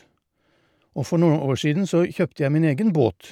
Og for noen år siden så kjøpte jeg min egen båt.